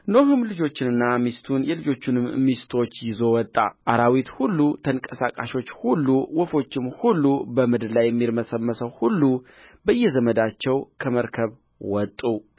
ኖኅም ልጆቹንና ሚስቱን የልጆቹንም ሚስቶች ይዞ ወጣ አራዊት ሁሉ ተንቀሳቃሾች ሁሉ ወፎችም ሁሉ በምድር ላይ የሚርመሰምሰው ሁሉ በየዘመዳቸው ከመርከብ ወጡ